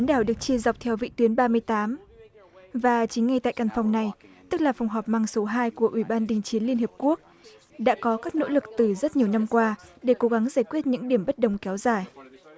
đảo được chia dọc theo vĩ tuyến ba mươi tám và chính ngay tại căn phòng này tức là phòng họp mang số hai của ủy ban đình chiến liên hiệp quốc đã có các nỗ lực từ rất nhiều năm qua để cố gắng giải quyết những điểm bất đồng kéo dài